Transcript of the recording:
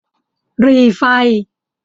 หรี่ไฟ